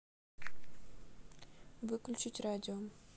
выключить радио